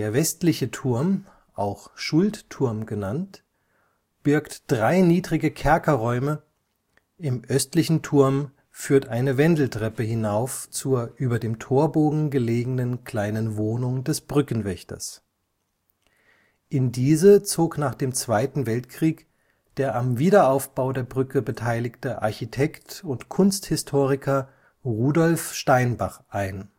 westliche Turm (Schuldturm) birgt drei niedrige Kerkerräume, im östlichen Turm führt eine Wendeltreppe hinauf zur über dem Torbogen gelegenen kleinen Wohnung des Brückenwächters. In diese zog nach dem Zweiten Weltkrieg der am Wiederaufbau der Brücke beteiligte Architekt und Kunsthistoriker Rudolf Steinbach ein